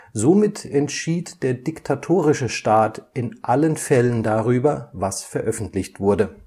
Somit entschied der diktatorische Staat in allen Fällen darüber, was veröffentlicht wurde